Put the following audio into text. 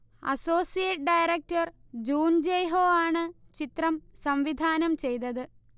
associate director June Jayho ആണ് ചിത്രം സംവിധാനം ചെയ്തത്